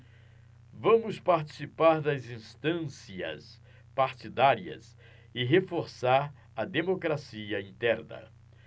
vamos participar das instâncias partidárias e reforçar a democracia interna